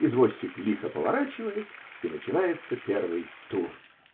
Извозчик лихо поворачивает и начинает первый "тур".